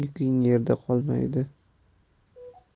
yuking yerda qolmaydi